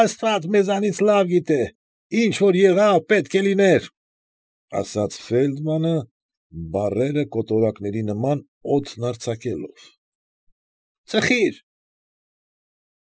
Աստված մեզանից լավ գիտե, ինչ որ եղավ, պետք է լիներ,֊ ասաց Ֆեյլդմանը, բառերը կոտորակների նման օդն արձակելով։֊ Ծխի՛ր։